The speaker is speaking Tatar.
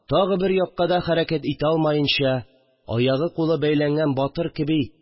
Тагы бер якка да хәрәкәт итә алмаенча, аягы-кулы бәйләнгән батыр кеби